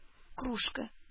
Кружка